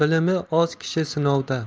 bilimi oz kishi sinovda